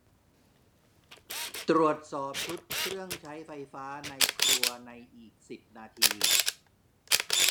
ตรวจสอบชุดเครื่องใช้ไฟฟ้าในครัวในอีกสิบนาที